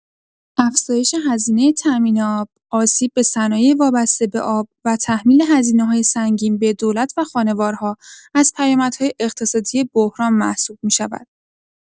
افزایش هزینه تأمین آب، آسیب به صنایع وابسته به آب و تحمیل هزینه‌های سنگین به دولت و خانوارها از پیامدهای اقتصادی بحران محسوب می‌شود.